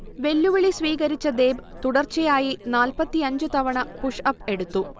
വെല്ലുവിളി സ്വീകരിച്ച ദേബ് തുടർച്ചയായി നാല്പത്തിയഞ്ച് തവണ പുഷ്അപ് എടുത്തു